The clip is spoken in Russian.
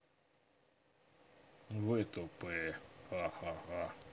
вы тупые ха ха ха